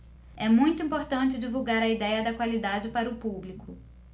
é muito importante divulgar a idéia da qualidade para o público